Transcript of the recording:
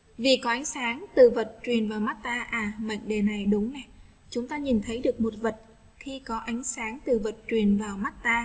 việc của ánh sáng từ vật truyền vào mắt ta là mệnh đề này đúng chúng ta nhìn thấy được một vật khi có ánh sáng từ vật truyền vào mắt ta